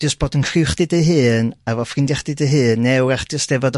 jyst bod yn criw chdi dy hun efo ffrindia' chdi dy hun ne' wrach jyst efo dy